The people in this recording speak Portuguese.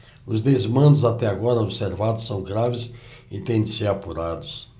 os desmandos até agora observados são graves e têm de ser apurados